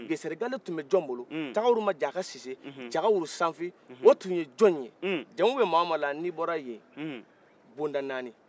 gesere gale tun bɛ jɔn bolo tagaruma jaka sise jagawolo sanfin u tun ye jɔn ye jaamu bɛ mɔgɔ wo mɔgɔ la nin bɔra ye bonda nani